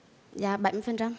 dạ bảy mươi phần trăm